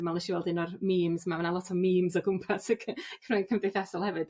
dwi me'wl nesh i weld un o'r mîms 'ma ma' 'na lot o mîms o gwmpas y c- creu cymdeithasol hefyd.